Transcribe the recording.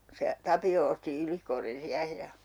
se Tapio osti Ylikorrin siihen ja